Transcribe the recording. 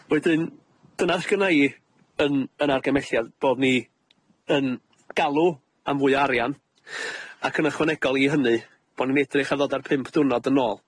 Wedyn dyna s'gynna' i yn yn argymelliad, bo' ni yn galw am fwy o arian, ac yn ychwanegol i hynny bo' ni'n edrych ar ddod â'r pump dwrnod yn ôl.